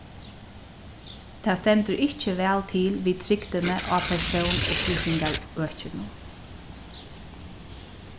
tað stendur ikki væl til við trygdini á persónsupplýsingarøkinum